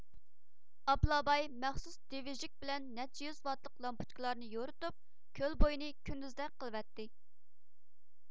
ئابلاباي مەخسۇس دىۋىژۈك بىلەن نەچچە يۈز ۋاتلىق لامپۇچكىلارنى يورۇتۇپ كۆل بويىنى كۈندۈزدەك قىلىۋەتتى